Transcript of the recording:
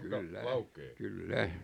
kyllä kyllä